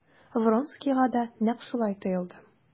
Вронскийга да нәкъ шулай тоелды.